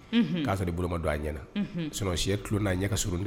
Unhun ka sɔrɔ i bolo ma don a ɲɛna . Unhun sinon cɛ kulo n'a ɲɛ ka surun